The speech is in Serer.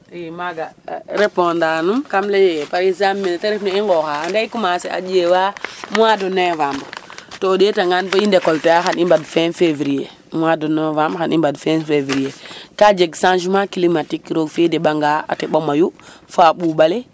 II maaga repondre anum kaam lay e par exemple meene te refna i nqooxaa ande i commencer a ƴeewaa mois de Novembre to o ɗeetangaan bo i ndecolte a xan i mbad fin fevrier mois de Novembre xan i mbad fin fevrier ka jeg changement climatique roog fe deɓangaa a teƥ a mayu fo a ɓuuƥ ale